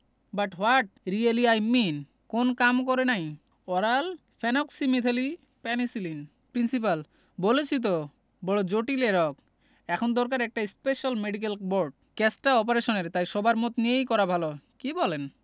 but what really I mean কোন কাম করে নাই ওরাল ফেনোক্সিমেথিলি পেনিসিলিন প্রিন্সিপাল বলেছি তো বড় জটিল এ রোগ এখন দরকার একটা স্পেশাল মেডিকেল বোর্ড কেসটা অপারেশনের তাই সবার মত নিয়েই করা ভালো কি বলেন